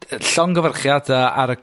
yy llongyfarchiada ar y